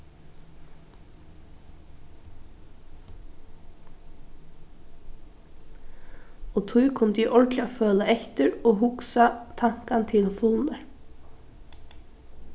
og tí kundi eg ordiliga føla eftir og hugsa tankan til fulnar